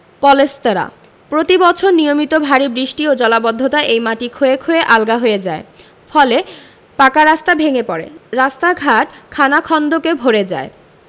পলেস্তারা প্রতিবছর নিয়মিত ভারি বৃষ্টি ও জলাবদ্ধতায় এই মাটি ক্ষয়ে ক্ষয়ে আলগা হয়ে যায় ফলে পাকা রাস্তা ভেঙ্গে পড়ে রাস্তাঘাট খানাখন্দকে ভরে যায়